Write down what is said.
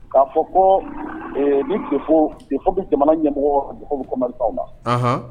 K'a fɔ ko nifo ko ni defaut bɛ jamana ɲɛmɔgɔ ka commerçants na.